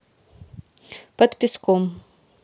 под песком